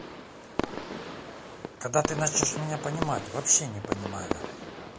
когда ты начнешь меня понимать вообще не понимаю